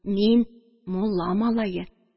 Мин мулла малае.